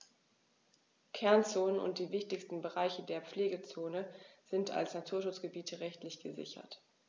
Kernzonen und die wichtigsten Bereiche der Pflegezone sind als Naturschutzgebiete rechtlich gesichert.